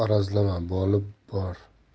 arazlama boli bor